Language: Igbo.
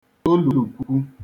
olùkwu